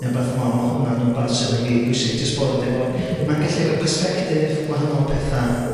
ne' wbath fel 'a ma' hwnna'n wbath sydd yn rili bwysig jyst bod efo... Mae'n gallu roi persbectif gwahanol petha